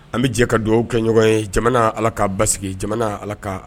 An bɛ jɛ ka dugawu kɛ ɲɔgɔn ye jamana alllah ka ba sigi ,jamana allla ka